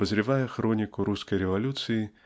обозревая хронику русской революции